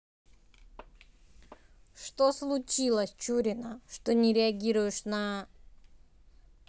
что случилось чурина что не реагируешь на